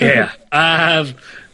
Ia. Yym.